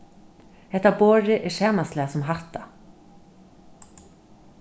hetta borðið er sama slag sum hatta